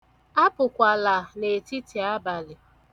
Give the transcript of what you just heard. Apụkwala n'etitiabalị.